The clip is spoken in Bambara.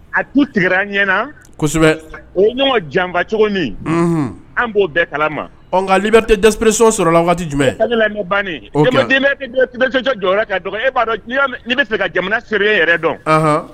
A tigɛ an ɲɛ o ɲɔgɔn janfa cogo an b'o bɛɛ kala ma li tɛ dapreso sɔrɔ la waati jumɛn bannenden jɔ e'a bɛ ka jamana sere yɛrɛ dɔn